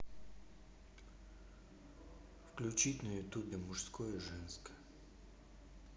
включить на ютубе мужское женское